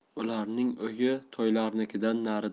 ularning uyi toylarnikidan narida